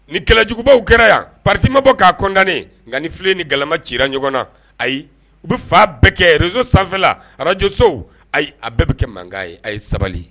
Ni kɛlɛjugubaw kɛra yan patima bɔ k'a kɔnkannen nka nifi ni gama cira ɲɔgɔn na ayi u bɛ fa bɛɛ kɛ rez sanfɛla arajsow ayi a bɛɛ bɛ kɛ mankan ye a ye sabali